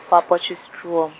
wa Potchefstroom.